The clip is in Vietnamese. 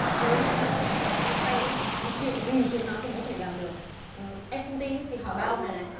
với những thằng họ sở tên khanh ý thì chuyện gì chúng nó cũng có thể làm được em không tin ý thì hỏi ba ông này này